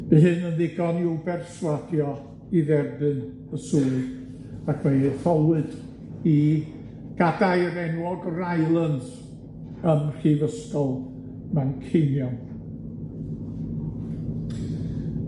Bu hyn yn ddigon i'w berswadio i dderbyn y swydd, ac fe'i etholwyd i gadair enwog Rylands ym Mhrifysgol Manceinion.